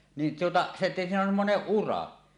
niin tuota se siinä on semmoinen ura